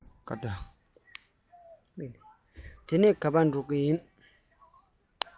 དེ ནས ག པར ཕེབས མཁན ཡིན པྰ